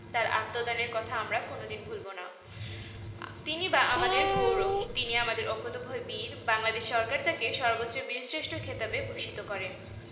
তাঁর আত্মদানের কথা আমরা কোনো দিন ভুলব না তিনি আমাদের গৌরব তিনি আমাদের অকুতোভয় বীর বাংলাদেশ সরকার তাঁকে সর্বোচ্চ বীরশ্রেষ্ঠ খেতাবে ভূষিত করে